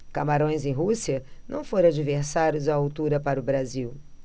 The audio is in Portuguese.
camarões e rússia não foram adversários à altura para o brasil